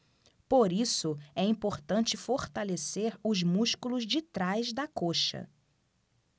por isso é importante fortalecer os músculos de trás da coxa